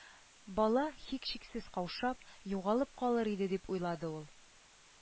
Бала һичшиксез каушап, югалып калыр иде дип уйлады ул